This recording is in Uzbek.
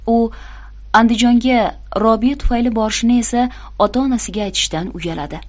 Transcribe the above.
u andijonga robiya tufayli borishini esa ota onasiga aytishdan uyaladi